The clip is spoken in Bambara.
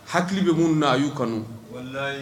Hakili bɛ mun na a y'u kɔnɔ